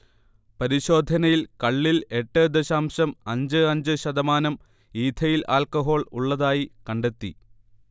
പരിശോധനയിൽ കള്ളിൽ എട്ട് ദശാംശം അഞ്ച് അഞ്ച് ശതമാനം ഈഥൈൽ അൽക്കഹോൾ ഉള്ളതായി കണ്ടെത്തി